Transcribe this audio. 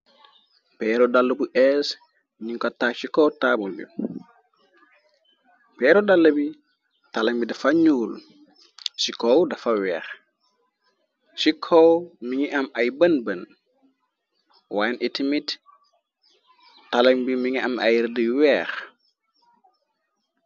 Peeru dall bu ees ñi ko ta ci kow tal bi peeru dala bi talam bi dafa ñuul ci koow dafa weex ci kow mi ngi am ay bën bën waayen it mit talam bi mi ngi am ay rëdd yu weex.